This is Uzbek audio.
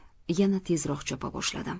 yana tezroq chopa boshladim